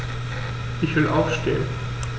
Ich will aufstehen.